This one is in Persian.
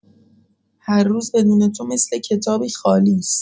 هر روز بدون تو مثل کتابی خالی ست.